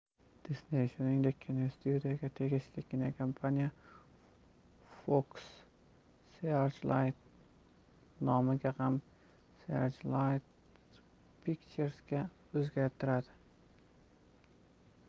disney shuningdek kinostudiyaga tegishli kinokompaniya fox searchlight nomini ham searchlight pictures'ga o'zgartiradi